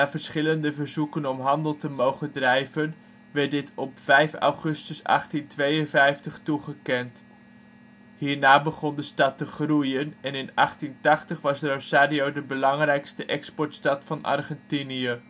verschillende verzoeken om handel te mogen drijven werd dit op 5 augustus 1852 toegekend. Hierna begon de stad te groeien en in 1880 was Rosario de belangrijkste exportstad van Argentinië